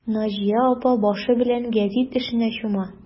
Наҗия апа башы белән гәзит эшенә чума.